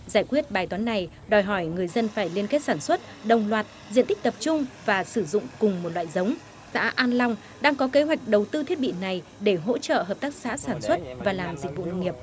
giải quyết bài toán này đòi hỏi người dân phải liên kết sản xuất đồng loạt diện tích tập trung và sử dụng cùng một loại giống xã an long đang có kế hoạch đầu tư thiết bị này để hỗ trợ hợp tác xã sản xuất và làm dịch vụ nông nghiệp